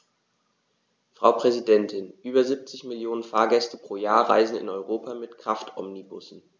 Frau Präsidentin, über 70 Millionen Fahrgäste pro Jahr reisen in Europa mit Kraftomnibussen.